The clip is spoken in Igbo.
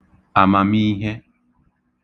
àmàmihe